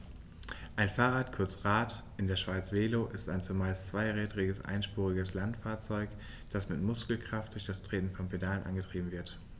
Ein Fahrrad, kurz Rad, in der Schweiz Velo, ist ein zumeist zweirädriges einspuriges Landfahrzeug, das mit Muskelkraft durch das Treten von Pedalen angetrieben wird.